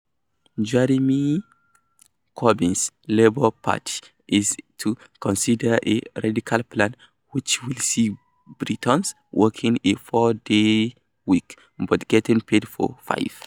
Jeremy Corbyn's Labour Party is to consider a radical plan which will see Britons working a four day week - but getting paid for five.